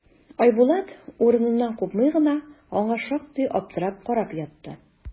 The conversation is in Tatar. Айбулат, урыныннан купмый гына, аңа шактый аптырап карап ятты.